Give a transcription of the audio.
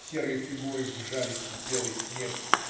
Серые фигуры вжались в белый снег.